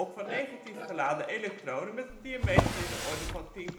van negatief geladen elektronen met een diameter in de orde van 10-10